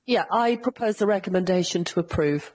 Yeah, I propose the recommendation to approve.